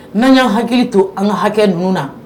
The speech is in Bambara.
N'an y'an hakili to an ka hakɛ ninnu na